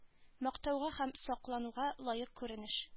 Мактауга һәм соклануга лаек күренеш